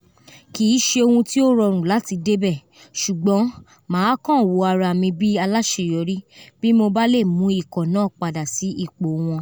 ’’Kìí ṣe ohun tí ó rọrùn láti débẹ̀, ṣùgbọ́n máa kan wo ara mi bí aláṣeyorí bi mo bá lè mú ikọ̀ náà padà sí ipò wọn’’